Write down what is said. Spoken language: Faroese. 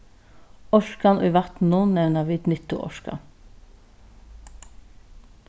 orkan í vatninum nevna vit nyttuorka